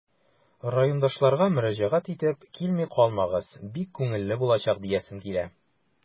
Райондашларга мөрәҗәгать итеп, килми калмагыз, бик күңелле булачак диясем килә.